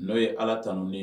N'o ye ala tanun ye